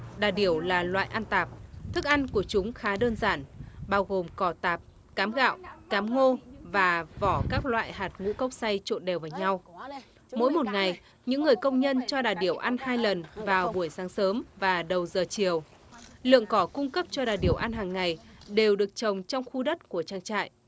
đà điểu là loài ăn tạp thức ăn của chúng khá đơn giản bao gồm cỏ tạp cám gạo cám ngô và vỏ các loại hạt ngũ cốc xay trộn đều với nhau mỗi một ngày những người công nhân cho đà điểu ăn hai lần vào buổi sáng sớm và đầu giờ chiều lượng cỏ cung cấp cho đà điểu ăn hằng ngày đều được trồng trong khu đất của trang trại